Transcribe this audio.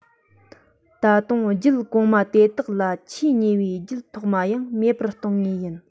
ད དུང རྒྱུད གོང མ དེ དག ལ ཆེས ཉེ བའི རྒྱུད ཐོག མ ཡང མེད པར གཏོང ངེས ཡིན